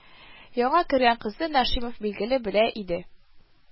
Яңа кергән кызны Нашимов, билгеле, белә иде